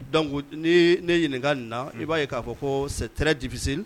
Dɔnkuc ne ɲininkaka nin na i b'a ye k'a fɔ sɛ tɛ dise